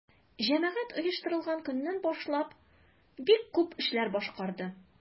Җәмгыять оештырылган көннән башлап бик күп эшләр башкарды.